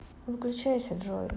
выключайся джой